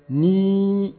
Un